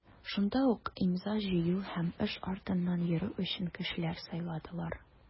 Шунда ук имза җыю һәм эш артыннан йөрү өчен кешеләр сайладылар.